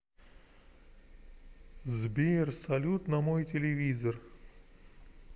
сбер салют на мой телевизор